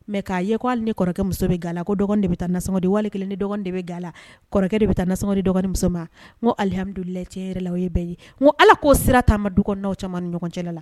Mɛ k'a ye ko'ale ni kɔrɔkɛmuso bɛ gala ko de bɛden wali kelen ni dɔgɔnin de bɛ gala kɔrɔkɛ de bɛ taa dɔgɔninmuso ma ko alihamdu cɛ yɛrɛ la o bɛɛ ye ko ala k'o sira taama du kɔnɔw caman ni ɲɔgɔncɛ la